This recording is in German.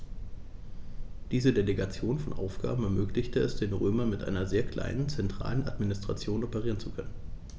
Diese Delegation von Aufgaben ermöglichte es den Römern, mit einer sehr kleinen zentralen Administration operieren zu können.